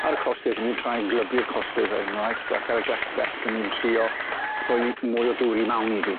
Ar y corsydd, ni'n try glybu'r corsydd er enghraifft ac ar y glaswellt, 'dyn ni'n trio rhoi mwy o dŵr i mewn iddi.